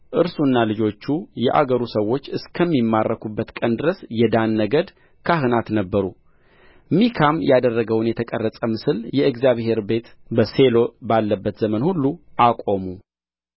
እርሱና ልጆቹ የአገሩ ሰዎች እስከሚማረኩበት ቀን ድረስ የዳን ነገድ ካህናት ነበሩ ሚካም ያደረገውን የተቀረጸ ምስል የእግዚአብሔር ቤት በሴሎ ባለበት ዘመን ሁሉ አቆሙ